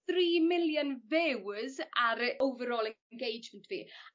three million views ar y overall engagement fi